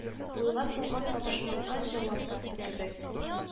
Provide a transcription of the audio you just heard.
Йга салган табышмакка җавап тапты кебек. и